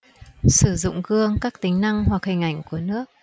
sử dụng gương các tính năng hoặc hình ảnh của nước